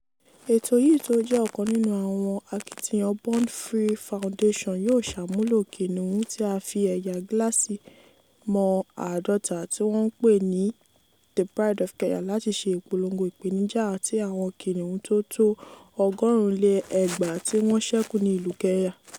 Ètò yìí tó jẹ́ ọ̀kàn nínú àwọn akitiyan Born Free Foundation yóò ṣàmúlò kìnìun tí a fi ẹ̀yà gílààsì mọ 50, tí wọ́n ń pè ní the Pride of Kenya‘ láti ṣe ìpolongo ìpènijà tí àwọn kìnìún tó tó 2,100 tí wọ́n ṣẹ́kù ní ìlú Kenya.